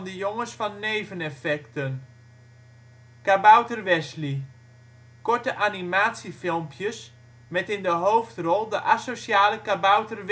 jongens van Neveneffecten Kabouter Wesley: Korte animatiefilmpjes met in de hoofdrol de asociale kabouter